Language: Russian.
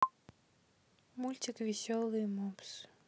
мультик веселые мопсы